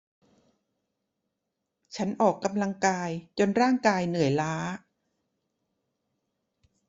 ฉันออกกำลังกายจนร่างกายเหนื่อยล้า